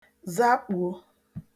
zakpùo